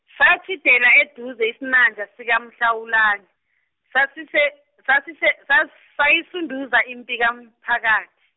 satjhidela eduze isinanja sikaMhlawulani, sasise- sasise- sas- sayisunduza ipi komphakathi.